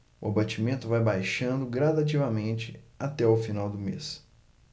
o abatimento vai baixando gradativamente até o final do mês